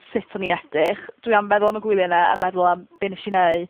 sut o'n i edrych? Dwi am feddwl am y gwylie 'na a meddwl am be nesh i neu',